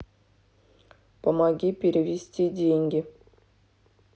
помоги перевести деньги